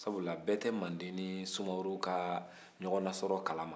sabula bɛɛ tɛ manden ni sumaworo ka ɲɔgɔnasɔrɔ kalama